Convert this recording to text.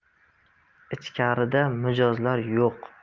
ichkarida mijozlar yo'q